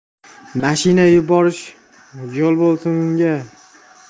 mashina yuborish yo'l bo'lsin unga